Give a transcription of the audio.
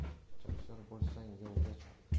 jasur bo'lsang yovga chop